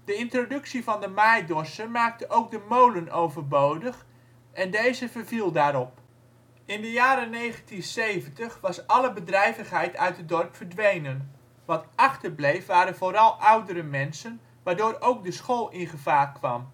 introductie van de maaidorser maakte ook de molen overbodig en deze verviel daarop. In de jaren 1970 was alle bedrijvigheid uit het dorp verdwenen. Wat achterbleef waren vooral oudere mensen, waardoor ook de school in gevaar kwam